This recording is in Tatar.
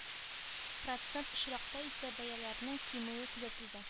Процент очракта исә бәяләрнең кимүе күзәтелгән